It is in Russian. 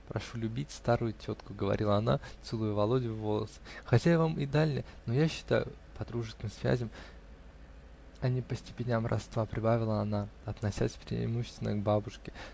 -- Прошу любить старую тетку, -- говорила она, целуя Володю в волосы, -- хотя я вам и дальняя, но я считаю по дружеским связям, а не по степеням родства, -- прибавила она, относясь преимущественно к бабушке